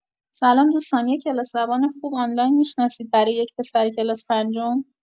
سلام دوستان یک کلاس زبان خوب آنلاین می‌شناسید برا یک پسر کلاس پنجم؟